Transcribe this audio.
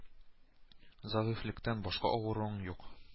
Зәгыйфьлектән башка авыруың юк